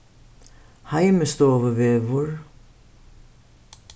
heimistovuvegur